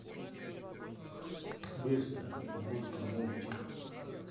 быстро на русском мультик